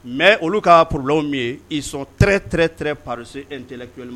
Mɛ olu kaa pla min ye i sɔn tɛrɛɛrɛ tɛrɛ parossi n tɛli ma